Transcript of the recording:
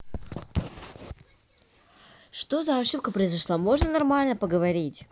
что за ошибка произошла можно нормально поговорить